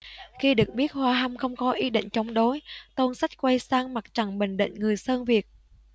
khi được biết hoa hâm không có ý định chống đối tôn sách quay sang mặt trận bình định người sơn việt